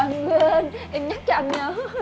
anh quên em nhắc cho anh nhớ